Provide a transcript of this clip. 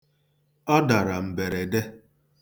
Ọ dara mberede.